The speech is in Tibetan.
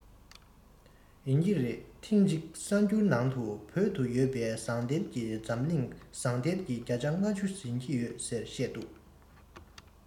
ཡིན གྱི རེད ཐེངས གཅིག གསར འགྱུར ནང དུ བོད དུ ཡོད པའི ཟངས གཏེར གྱིས འཛམ གླིང ཟངས གཏེར གྱི བརྒྱ ཆ ལྔ བཅུ ཟིན གྱི ཡོད ཟེར བཤད འདུག